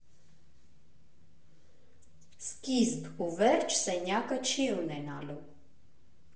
Սկիզբ ու վերջ սենյակը չի ունենալու։